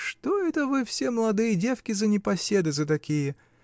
-- Что это вы все, молодые девки, за непоседы за такие?